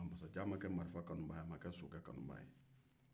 masajan ma kɛ sokɛ kanubaga ye a ma kɛ marifa kanubaga ye